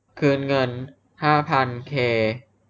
คืนเงินห้าพันเค